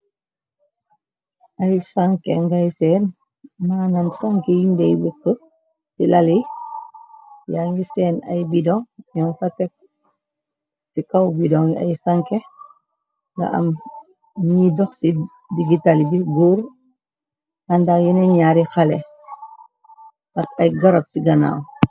Ay sanke ngay seen maanam sanke yundey wekk ci lali ye yage seen ay bidoŋ ñoon fa tek ci kaw bidoŋgi ay sanke ga am ñuye doh ci digitali bi góor ànda yena ñaari xale ak ay garab ci ganaaw.